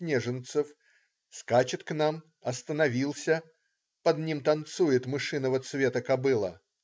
Нежинцев, скачет к нам, остановился - под ним танцует мышиного цвета кобыла.